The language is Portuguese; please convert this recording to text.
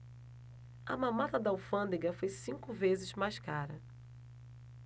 a mamata da alfândega foi cinco vezes mais cara